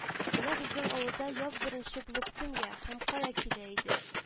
Менә безнең авылда яз беренче булып кемгә һәм кая килә иде